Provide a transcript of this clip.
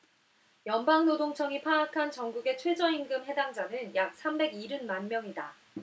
연방노동청이 파악한 전국의 최저임금 해당자는 약 삼백 일흔 만명이다